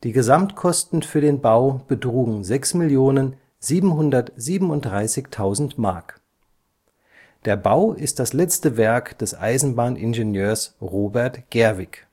Gesamtkosten für den Bau betrugen 6.737.000 Mark. Der Bau ist das letzte Werk des Eisenbahningenieurs Robert Gerwig